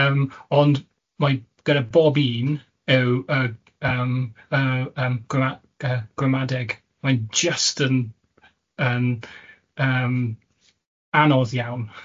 Yym ond mae gyda bob un yw yy yym yy yym grama- yy gramadeg, mae'n jyst yn yym yn yym, anodd iawn.